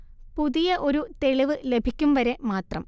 പുതിയ ഒരു തെളിവ് ലഭിക്കും വരെ മാത്രം